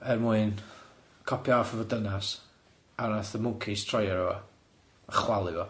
Er mwyn copio off efo dynas a wnaeth y mwncis troi arno fo a chwalu fo.